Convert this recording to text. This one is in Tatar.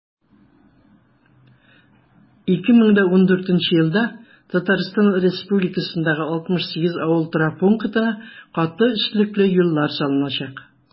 2014 елда татарстан республикасында 68 авыл торак пунктына каты өслекле юллар салыначак.